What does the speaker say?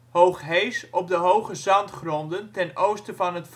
Hoog Hees, op de hoge zandgronden ten oosten van het